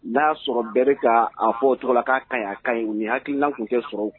N'a'a sɔrɔ bɛɛ ka a fɔ o tɔgɔ k'a kaya kan ɲi u hakililan tun tɛ sɔrɔ